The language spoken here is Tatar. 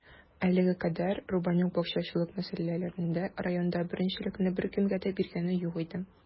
Әлегә кадәр Рубанюк бакчачылык мәсьәләләрендә районда беренчелекне беркемгә дә биргәне юк иде.